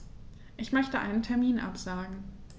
Ich möchte einen Termin absagen.